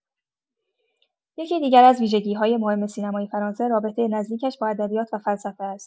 یکی دیگر از ویژگی‌های مهم سینمای فرانسه، رابطه نزدیکش با ادبیات و فلسفه است.